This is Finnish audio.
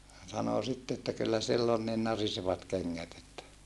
sanoi sitten että kyllä sillä on niin narisevat kengät että